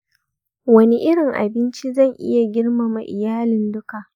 wani irin abinci zan iya girma ma iyalin duka?